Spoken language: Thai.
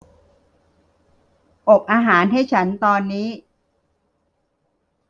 อบอาหารให้ฉันตอนนี้